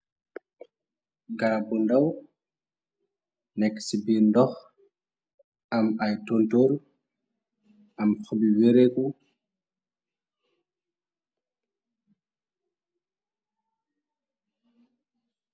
Gaal bu ndaw nekk ci bii ndox am ay tontool am xobi wéréeku.